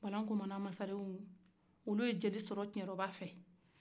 balan komana maren olu ye jeli sɔrɔ kiɲɛrɔba fɛ